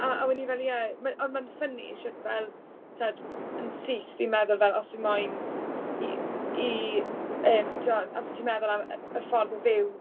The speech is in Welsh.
A a wen i fel, "ie" m-... Ond ma'n ffyni shwt fel tibod yn syth fi'n meddwl fel, os fi moyn i i yym tibod am- amser ti'n meddwl am y ffordd o fyw